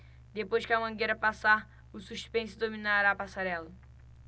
depois que a mangueira passar o suspense dominará a passarela